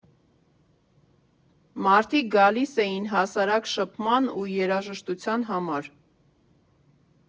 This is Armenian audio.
Մարդիկ գալիս էին հասարակ շփման ու երաժշտության համար։